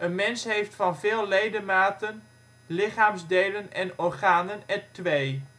mens heeft van veel ledematen, lichaamsdelen en organen er twee: benen